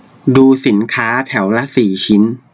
ดูสินค้าแถวละสี่ชิ้น